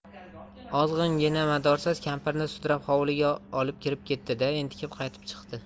ozg'ingina madorsiz kampirni sudrab hovliga olib kirib ketdi da entikib qaytib chiqdi